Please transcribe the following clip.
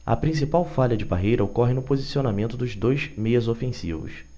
a principal falha de parreira ocorre no posicionamento dos dois meias ofensivos